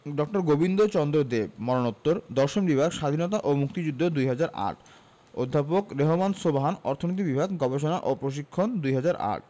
ড. গোবিন্দচন্দ্র দেব মরনোত্তর দর্শন বিভাগ স্বাধীনতা ও মুক্তিযুদ্ধ ২০০৮ অধ্যাপক রেহমান সোবহান অর্থনীতি বিভাগ গবেষণা ও প্রশিক্ষণ ২০০৮